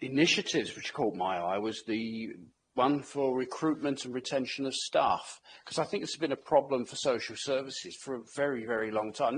initiatives which caugth my eye was the one for recruitment and retention of staff cause I think it's been a problem for social services for a very very long time,